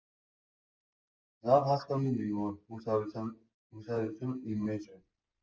Լավ հասկանում էի, որ հուսահատությունն իմ մեջ է։